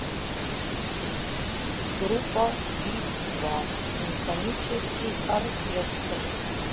группа би два симфонический оркестр